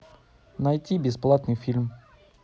найти бесплатный фильм